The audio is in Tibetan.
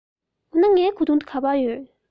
འོ ན ངའི གོས ཐུང དེ ག པར ཡོད